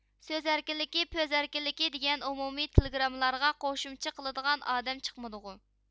سۆز ئەركىنلىكى پۆز ئەركىنلىكى دېگەن ئومۇمىي تېلېگراممىلارغا قوشۇمچە قىلىدىغان ئادەم چىقمىدىغۇ